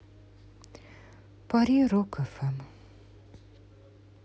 пари рок эф эм